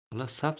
zebi xola sap